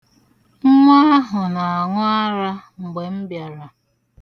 Nwa ahụ na-aṇ̇ụ ara mgbe m bịara.